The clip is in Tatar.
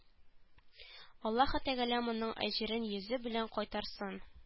Аллаһы тәгалә моның әҗерен йөзе белән кайтарсын